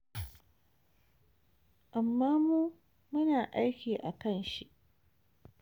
amma mu na aiki akan shi.